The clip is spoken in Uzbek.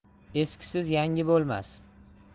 eskisiz yangi bo'lmas